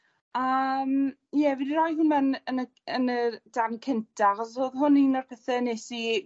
a yym ie fi 'di roi nhw mewn yn y yn yr darn cyntaf achos odd hwn un o'r pethe nes i